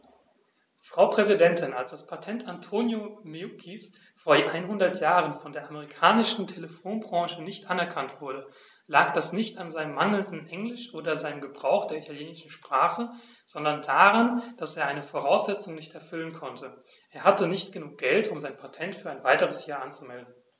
Frau Präsidentin, als das Patent Antonio Meuccis vor einhundert Jahren von der amerikanischen Telefonbranche nicht anerkannt wurde, lag das nicht an seinem mangelnden Englisch oder seinem Gebrauch der italienischen Sprache, sondern daran, dass er eine Voraussetzung nicht erfüllen konnte: Er hatte nicht genug Geld, um sein Patent für ein weiteres Jahr anzumelden.